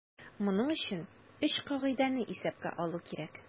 Моның өчен өч кагыйдәне исәпкә алу кирәк.